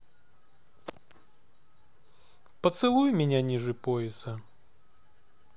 поцелуй меня ниже пояса